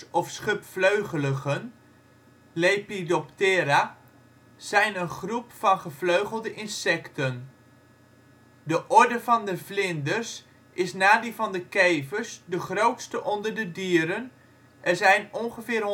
of schubvleugeligen (Lepidoptera) zijn een groep van gevleugelde insecten. De orde van de vlinders is na die van de kevers de grootste onder de dieren: er zijn ongeveer